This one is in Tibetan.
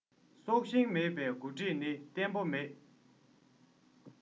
སྲོག ཤིང མེད པའི འགོ ཁྲིད ནི བརྟན པོ མེད